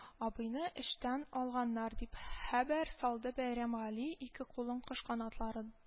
— абыйны эштән алганнар, — дип, хәбәр салды бәйрәмгали, ике кулын кош канатларын